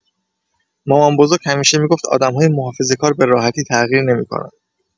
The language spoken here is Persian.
مامان‌بزرگ همیشه می‌گفت آدم‌های محافظه‌کار به راحتی تغییر نمی‌کنن.